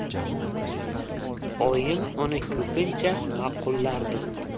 oyim uni ko'pincha ma'qullardi